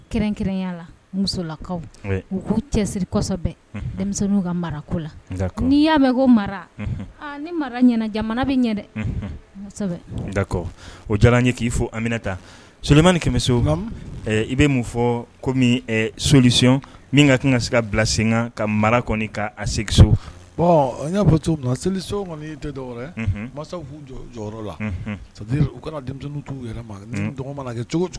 Dɛ o diyara k'i fomina taa somanini kɛmɛ se i bɛ mun fɔ kɔmi sosi min ka ka se ka bila sen kan ka mara kɔni kaso seli masaw jɔyɔrɔ la u